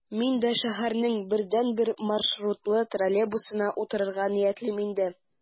Мин дә шәһәрнең бердәнбер маршрутлы троллейбусына утырырга ниятлим инде...